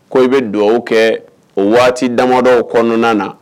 Ko i bɛ dugaw kɛ o waati damadɔ kɔnɔna na